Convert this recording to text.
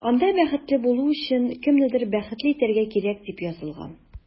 Анда “Бәхетле булу өчен кемнедер бәхетле итәргә кирәк”, дип язылган.